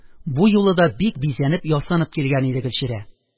Бу юлы да бик бизәнепясанып килгән иде Гөлчирә